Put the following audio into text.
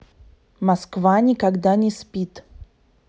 москва никогда не спит